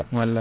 wallay